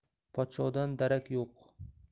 podshodan darak yo'q